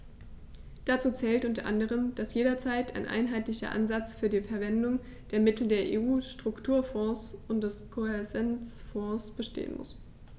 Dazu zählt u. a., dass jederzeit ein einheitlicher Ansatz für die Verwendung der Mittel der EU-Strukturfonds und des Kohäsionsfonds bestehen muss.